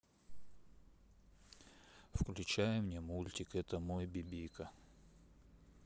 включай мне мультик это мой бибика